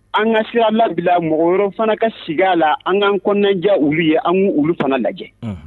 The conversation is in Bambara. An ka sira labila mɔgɔ fana ka sigi a la an'an kɔnɔnaja olu ye an ka olu fana lajɛ